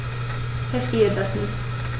Verstehe das nicht.